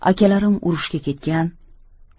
akalarim urushga ketgan